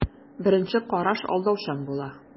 Беренче караш алдаучан була.